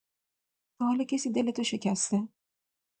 تا حالا کسی دلتو شکسته؟